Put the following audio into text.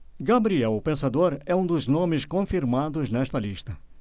gabriel o pensador é um dos nomes confirmados nesta lista